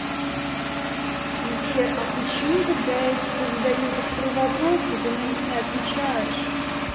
сбер а почему когда я тебе задаю некоторые вопросы ты на них не отвечаешь